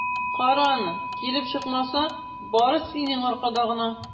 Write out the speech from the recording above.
Кара аны, килеп чыкмаса, бары синең аркада гына!